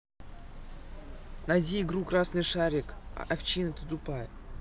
найди игру красный шарик овчина ты тупая